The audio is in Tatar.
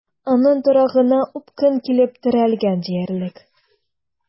Аның торагына упкын килеп терәлгән диярлек.